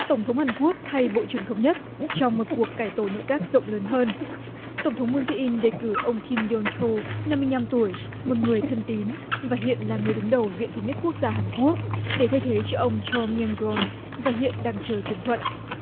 tổng thống hàn quốc thay bộ trưởng thống nhất trong một cuộc cải tổ nội các rộng lớn hơn tổng thống mun dê in đề cử ông kim gioong chu nhăm mươi nhăm tuổi một người thân tín và hiện là người đứng đầu viện thống nhất quốc gia hàn quốc để thay thế cho ông chô miêng gon và hiện đang chờ chuẩn thuận